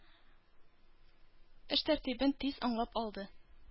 Эш тәртибен тиз аңлап алды.